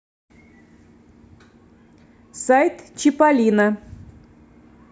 сайт чиполлино